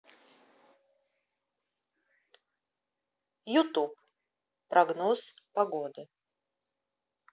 ютуб прогноз погоды